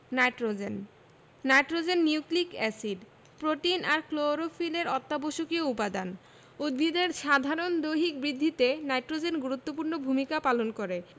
nitrogen nitrogen nucleic acid protein আর ক্লোরোফিলের অত্যাবশ্যকীয় উপাদান উদ্ভিদের সাধারণ দৈহিক বৃদ্ধিতে নাইট্রোজেন গুরুত্বপূর্ণ ভূমিকা পালন করে